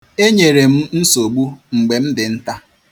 E nyere m nsogbu mgbe m dị nta.